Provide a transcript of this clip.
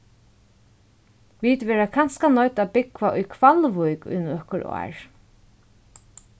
vit verða kanska noydd at búgva í hvalvík í nøkur ár